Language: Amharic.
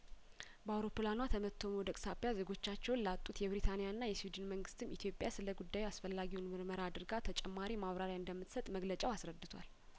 በአውሮፕላኗ ተመትቶ መውደቅ ሳቢያ ዜጐቻቸውን ላጡት የብሪታኒያና የስዊድን መንግስትም ኢትዮጵያ ስለጉዳዩ አስፈላጊውን ምርመራ አድርጋ ተጨማሪ ማብራሪያ እንደምትሰጥ መግለጫው አስረድቷል